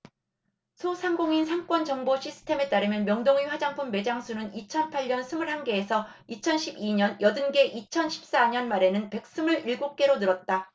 소상공인 상권정보시스템에 따르면 명동의 화장품 매장 수는 이천 팔 년 스물 한 개에서 이천 십 이 년 여든 개 이천 십 사 년 말에는 백 스물 일곱 개로 늘었다